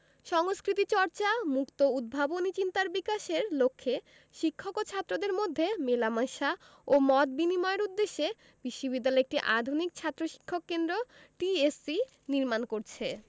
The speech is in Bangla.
সংস্কৃতিচর্চা মুক্ত ও উদ্ভাবনী চিন্তার বিকাশের লক্ষ্যে শিক্ষক ও ছাত্রদের মধ্যে মেলামেশা ও মত বিনিময়ের উদ্দেশ্যে বিশ্ববিদ্যালয় একটি আধুনিক ছাত্র শিক্ষক কেন্দ্র টিএসসি নির্মাণ করছে